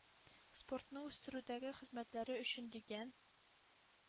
Спортны үстерүдәге хезмәтләре өчен» дигән